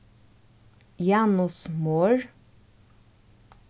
janus mohr